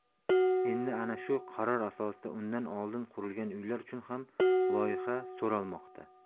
endi ana shu qaror asosida undan oldin qurilgan uylar uchun ham loyiha so'ralmoqda